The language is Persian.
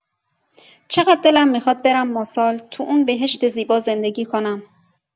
چقدر دلم می‌خواد برم ماسال توی اون بهشت زیبا زندگی کنم!